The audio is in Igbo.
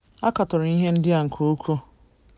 A katọrọ ihe ndị a nke ukwuu.